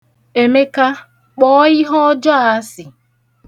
Emeka, kpọọ ihe ọjọọ asị!